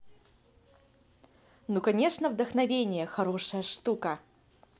ну конечно дохновение хорошая штука